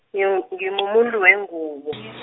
ngimu- ngimumuntu wengubo.